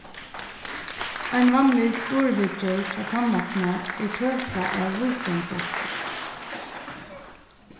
ein vanlig skurðviðgerð hjá tannlækna er tøka av vísdómsjakslum